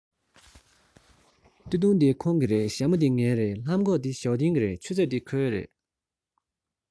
སྟོད ཐུང འདི ཁོང གི རེད ཞྭ མོ འདི ངའི རེད ལྷམ གོག འདི ཞའོ ཏིང གི རེད ཆུ ཚོད འདི ཁོའི རེད